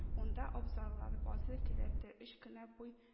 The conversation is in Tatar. Уңда абзарлар, базы-келәте, өч кенә буй